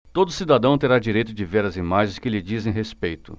todo cidadão terá direito de ver as imagens que lhe dizem respeito